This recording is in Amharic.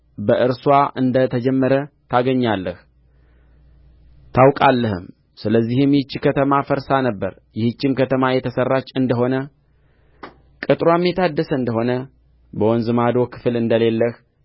በእርስዋ እንደ ተጀመረ ታገኛለህ ታውቃለህም ስለዚህም ይህች ከተማ ፈርሳ ነበር ይህችም ከተማ የተሠራች እንደ ሆነ ቅጥርዋም የታደሰ እንደ ሆነ በወንዝ ማዶ ክፍል እንደሌለህ